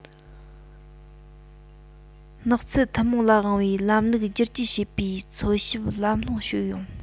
ནགས ཚལ ཐུན མོང ལ དབང བའི ལམ ལུགས བསྒྱུར བཅོས བྱེད པའི འཚོལ ཞིབ ལམ ལྷོང བྱུང ཡོད